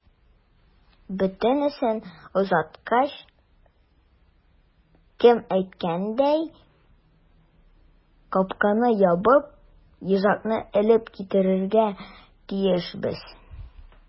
Бөтенесен озаткач, кем әйткәндәй, капканы ябып, йозакны элеп китәргә тиешбез.